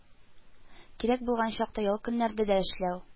Кирәк булган чакта ял көннәрдә дә эшләү»